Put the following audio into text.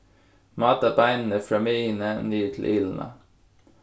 máta beinini frá miðjuni niður til ilina